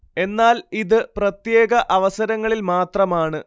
എന്നാൽ ഇത് പ്രത്യേക അവസരങ്ങളിൽ മാത്രമാണ്